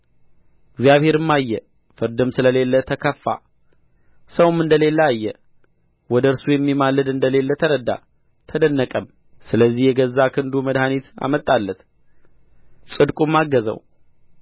እግዚአብሔርም አየ ፍርድም ስለሌለ ተከፋ ሰውም እንደሌለ አየ ወደ እርሱ የሚማልድ እንደሌለ ተረዳ ተደነቀም ስለዚህ የገዛ ክንዱ መድኃኒት አመጣለት ጽድቁም አገዘው